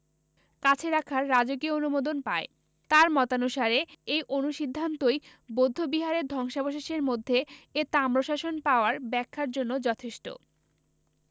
কাছে রাখার রাজকীয় অনুমোদন পায় তাঁর মতানুসারে এই অনুসিদ্ধান্তই বৌদ্ধ বিহারের ধ্বংসাবশেষের মধ্যে এ তাম্রশাসন পাওয়ার ব্যাখ্যার জন্য যথেষ্ট